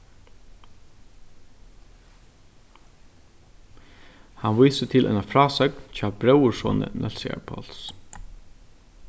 hann vísir til eina frásøgn hjá bróðursoni nólsoyar páls